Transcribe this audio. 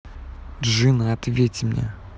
джина ответь мне